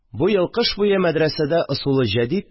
Бу ел кыш буе мәдрәсәдә ысулы җәдид